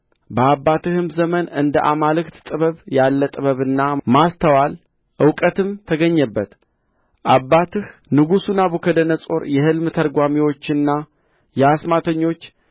በአባትህም ዘመን እንደ አማልክት ጥበብ ያለ ጥበብና ማስተዋል እውቀትም ተገኘበት አባትህ ንጉሡ ናቡከደነፆር የሕልም ተርጓሚዎችና የአስማተኞች